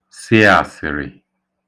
sị àsị̀rị̀